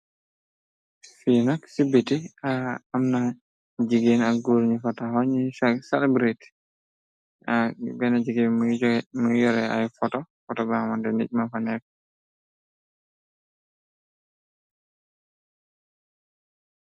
Fii nak ci biti amna jigéen ak goor ni fa taxaw ñu salibirit, benn jigéen muy joxe, mingi yore ay foto, foto bu xamante nit mu fa nekk.